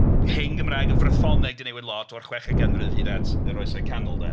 Hen Gymraeg, y Frythoneg 'di newid lot o'r chweched ganrif hyd at yr Oesoedd Canol de.